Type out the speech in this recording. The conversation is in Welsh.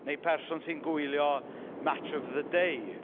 Neu person sy'n gwylio Match of the Day.